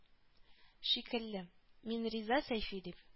Шикелле: мин риза, сәйфи , дип